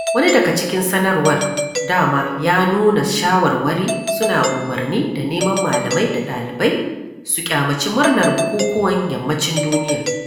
Wani daga cikin sanarwar (dama) ya nuna "Shawarwari" suna umarni da neman malamai da ɗalibai su ƙyamaci murnar bukukuwan Yammacin duniya.